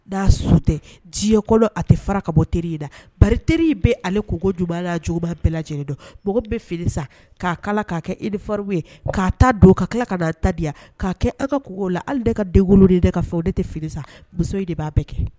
Da su tɛ diɲɛkolo a tɛ fara ka bɔ teri da ba teri bɛ ale koko ju cogoba bɛɛ lajɛlen mɔgɔ bɛ fili sa'a k'a kɛ efa ye'a ta don ka tila ka' ta di k'a kɛ ala kogo la ale de ka den wolo de de ka fɛ o tɛ fili sa muso de b'a bɛɛ kɛ